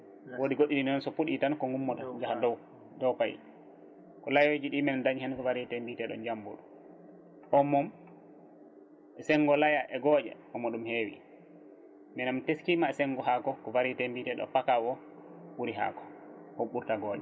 woodi goɗɗi ɗi noon so puuɗi tan ko gummoto jaaha dow dow faayi ko layoji ɗi min daañi hen ko vairété mbiteɗo Jambour on moom senggo laaya e gooƴa omo ɗum heewi miɗem teskima e senggo haako ko variété mbiteɗo cacao ɓuuri haako on ɓurta gooƴe